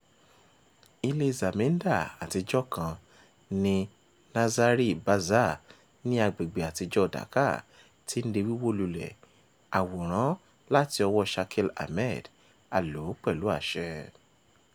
Ilée Zamindar àtijọ́ kan ní Nazira Bazar ní agbègbèe Àtijọ́ọ Dhaka ti ń di wíwó lulẹ̀. Àwòrán láti ọwọ́ọ Shakil Ahmed. A lò ó pẹlú àṣẹ.